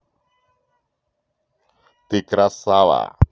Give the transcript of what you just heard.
ты красава